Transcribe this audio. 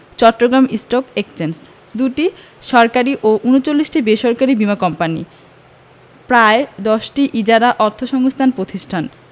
Chittagong stock exchange ২টি সরকারি ও ৩৯টি বেসরকারি বীমা কোম্পানি প্রায় ১০টি ইজারা অর্থসংস্থান প্রতিষ্ঠান